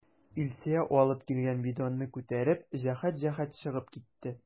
Илсөя алып килгән бидонны күтәреп, җәһәт-җәһәт чыгып китте.